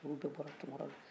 oluw bɛɛ bɔra tunkaraw la